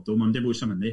Ond dio'm bwys am hyny.